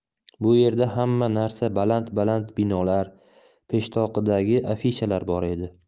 bu yerda hamma narsa baland baland binolar peshtoqidagi afishalar bor edi